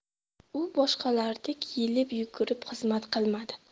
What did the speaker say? u boshqalardek yelib yugurib xizmat qilmadi